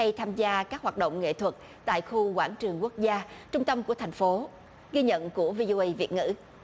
hay tham gia các hoạt động nghệ thuật tại khu quảng trường quốc gia trung tâm của thành phố ghi nhận của vi âu ây việt ngữ